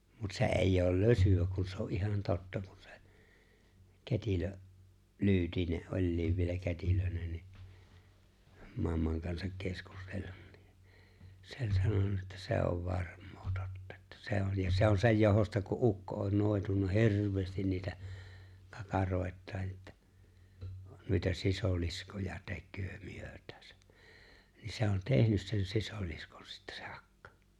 mutta se ei ole lösyä kun se on ihan totta kun se kätilö Lyytinen oli vielä kätilönä niin mamman kanssa keskustellut niin se oli sanonut että se on varmaa totta että se on ja se on sen johdosta kun ukko on noitunut hirveästi niitä kakaroitaan että noita sisiliskoja tekee myötäänsä niin se on tehnyt sen sisiliskon sitten se akka